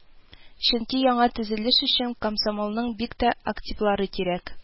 Чөнки яңа төзелеш өчен комсомолның бик тә активлары кирәк